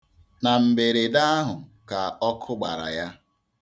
Na mberede ahụ ka ọkụ gbara ya.